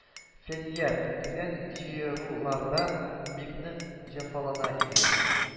Фәнияр көзән җыерулардан бик нык җәфалана иде